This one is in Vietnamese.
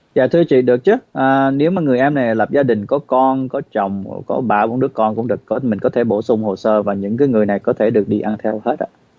dạ thưa chị được chứ à nếu mà người em này lập gia đình có con có chồng có ba bốn đứa con cũng được mình có thể bổ sung hồ sơ và những người này có thể được đi ăn theo hết ạ